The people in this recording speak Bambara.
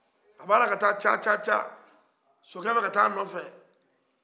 a bɛ ala ka taa caca caca caca sokɛ bɛ ka taa a nɔfɛ